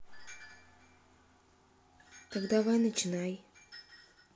так давай начинай